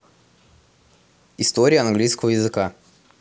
история английского языка